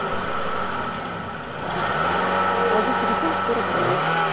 оплати телефон сто рублей